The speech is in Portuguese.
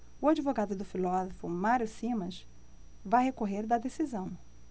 o advogado do filósofo mário simas vai recorrer da decisão